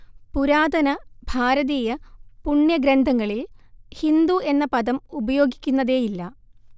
പുരാതന ഭാരതീയ പുണ്യഗ്രന്ഥങ്ങളിൽ ഹിന്ദു എന്ന പദം ഉപയോഗിക്കുന്നതേയില്ല